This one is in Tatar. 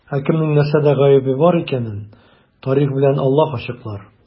Ә кемнең нәрсәдә гаебе бар икәнен тарих белән Аллаһ ачыклар.